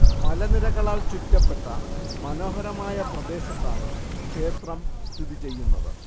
മലനിരകളാൽ ചുറ്റപ്പെട്ട മനോഹരമായ പ്രദേശത്താണ് ക്ഷേത്രം സ്ഥിതി ചെയ്യുന്നത്